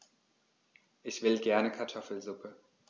Ich will gerne Kartoffelsuppe.